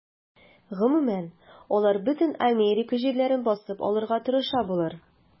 Гомумән, алар бөтен Америка җирләрен басып алырга тырыша булыр.